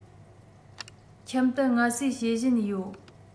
ཁྱིམ དུ ངལ གསོས བྱེད བཞིན ཡོད